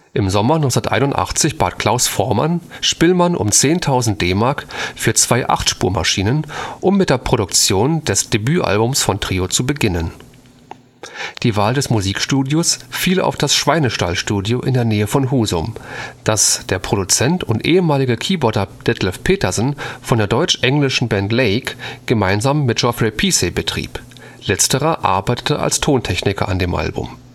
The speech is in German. Im Sommer 1981 bat Klaus Voormann Spillmann um 10.000 DM für zwei Achtspur-Maschinen, um mit der Produktion des Debütalbums von Trio zu beginnen. Die Wahl des Musikstudios fiel auf das Schweinestall-Studio in der Nähe von Husum, das der Produzent und ehemalige Keyboarder Detlef Petersen von der deutsch-englischen Band Lake gemeinsam mit Geoffrey Peacey betrieb. Letzterer arbeitete als Tontechniker an dem Album